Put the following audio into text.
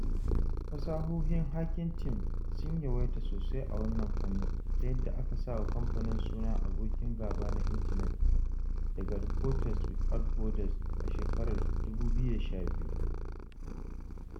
Fasahohin Hacking Team sun yawaita sosai a wannan fannin, ta yadda aka sawa kamfanin suna “Abokin Gaba na Intanet” daga Reporters Without Borders a shekarar 2012.